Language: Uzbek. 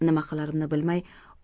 nima qilarimni bilmay